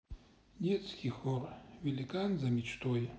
детский хор великан за мечтой